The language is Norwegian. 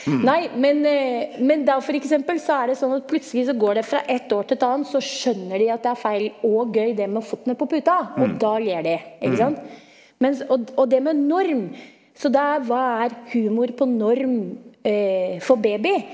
nei men men da f.eks. så er det sånn at plutselig så går det fra et år til et annet så skjønner de at det er feil og gøy det med føttene på puta, og da ler de ikke sant mens og og det med norm så da er hva er humor på norm for babyer?